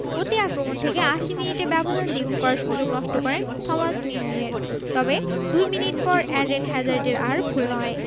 প্রতি আক্রমণ থেকে ৮০ মিনিটে ব্যবধান দ্বিগুণ করার সুযোগ নষ্ট করেন থমাস মিউনিয়ের তবে দুই মিনিট পর এডেন হ্যাজার্ডের আর ভুল নয়